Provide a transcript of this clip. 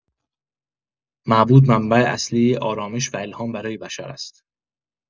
معبود منبع اصلی آرامش و الهام برای بشر است.